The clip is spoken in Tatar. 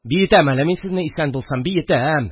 Биетәм әле мин сезне исән булсам, биетәм